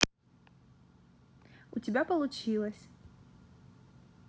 у тебя получилось